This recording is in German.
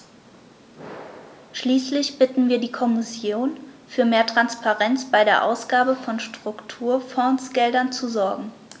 Schließlich bitten wir die Kommission, für mehr Transparenz bei der Ausgabe von Strukturfondsgeldern zu sorgen.